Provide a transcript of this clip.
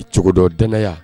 I cogo dɔ danaya